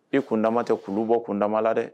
E kundama tɛ kulu bɔ kun dama la dɛ